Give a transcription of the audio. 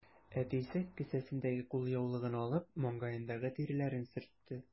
Әтисе, кесәсендәге кулъяулыгын алып, маңгаендагы тирләрен сөртте.